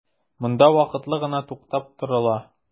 Монда вакытлы гына туктап торыла.